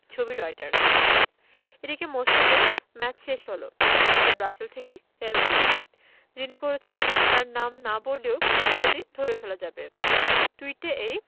ছবি রয়টার্স এদিকে মস্কোতে ম্যাচ শেষ হলো ওদিকে ব্রাজিল থেকে এল টুইট যিনি করেছেন তাঁর নাম না বললেও খুব সহজেই ধরে ফেলা যাবে টুইটটা এই